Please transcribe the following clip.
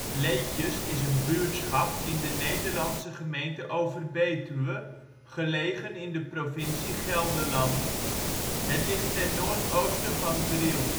Leedjes is een buurtschap in de Nederlandse gemeente Overbetuwe, gelegen in de provincie Gelderland. Het ligt ten noordoosten van Driel